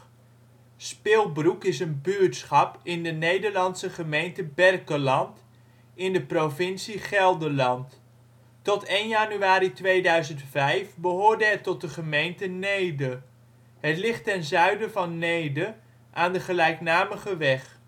Spilbroek is een buurtschap in de Nederlandse gemeente Berkelland in de provincie Gelderland. Tot 1 januari 2005 behoorde het tot de gemeente Neede. Het ligt ten zuiden van Neede aan de gelijknamige weg